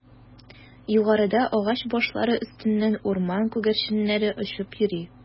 Югарыда агач башлары өстеннән урман күгәрченнәре очып йөри.